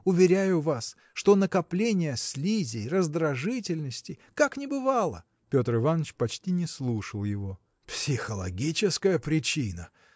уверяю вас, что накопления слизей, раздражительности. как не бывало! Петр Иваныч почти не слушал его. – Психологическая причина!